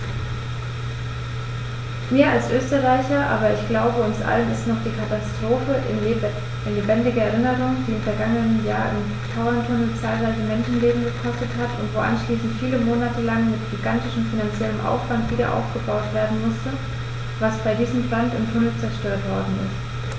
Mir als Österreicher, aber ich glaube, uns allen ist noch die Katastrophe in lebendiger Erinnerung, die im vergangenen Jahr im Tauerntunnel zahlreiche Menschenleben gekostet hat und wo anschließend viele Monate lang mit gigantischem finanziellem Aufwand wiederaufgebaut werden musste, was bei diesem Brand im Tunnel zerstört worden ist.